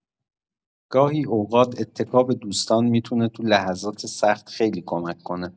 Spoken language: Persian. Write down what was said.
گاهی اوقات اتکا به دوستان می‌تونه تو لحظات سخت خیلی کمک کنه.